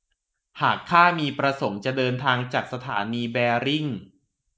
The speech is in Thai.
หากข้ามีประสงค์จะเดินทางจากสถานีแบริ่ง